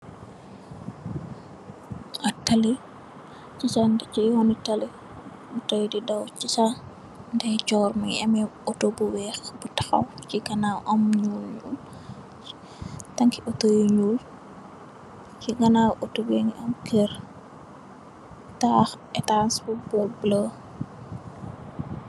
Ah tali, chi santu chi yoni tali, motor yii dii daw chi sa ndeyjorr mii, mu ameh ootor bu wekh bu takhaw, chi ganaw am njull njull, tanki ohtor yu njull, chi ganaw autor behngi am kerr, taah ehtass bu bleu.